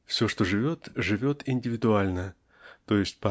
Все, что живет, живет индивидуально, т. е.